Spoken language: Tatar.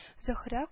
Зөһрә